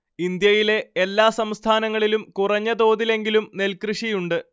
ഇന്ത്യയിലെ എല്ലാ സംസ്ഥാനങ്ങളിലും കുറഞ്ഞ തോതിലെങ്കിലും നെൽക്കൃഷിയുണ്ട്